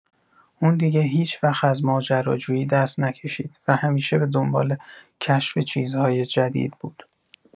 اون دیگه هیچوقت از ماجراجویی دست نکشید و همیشه به دنبال کشف چیزهای جدید بود.